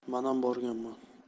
manam borganman